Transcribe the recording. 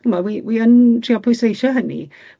Ch'mo', wi wi yn trio pwysleisio hynny.